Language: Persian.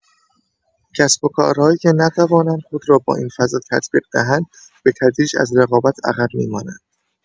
کسب‌وکارهایی که نتوانند خود را با این فضا تطبیق دهند، به‌تدریج از رقابت عقب می‌مانند.